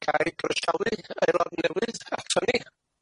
ga i groesawu aelod newydd aton ni.